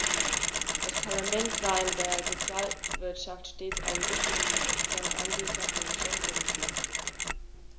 Das Parlament sah in der Sozialwirtschaft stets einen wichtigen potentiellen Anbieter von Beschäftigungsmöglichkeiten.